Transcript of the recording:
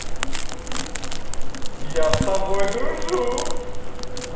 я с тобой дружу